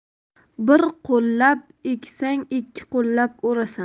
bir qo'llab eksang ikki qo'llab o'rasan